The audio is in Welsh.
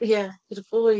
Ie, gyda bwy-